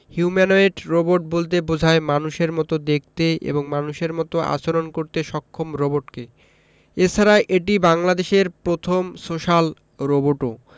humanoid robot বলতে বোঝায় মানুষের মতো দেখতে এবং মানুষের মতো আচরণ করতে সক্ষম রোবটকে এছাড়া এটি বাংলাদেশের প্রথম সোশ্যাল রোবটও